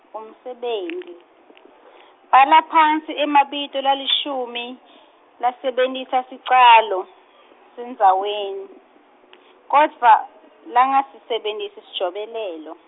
umsebenti, bhala phasi emabito lalishumi lasebentisa sicalo sandzaweni, kodvwa langasisebentisi sijobelelo.